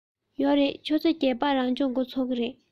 ཡོད རེད ཆུ ཚོད བརྒྱད པར རང སྦྱོང འགོ ཚུགས ཀྱི རེད